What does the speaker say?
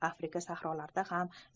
afrika sahrolarida ham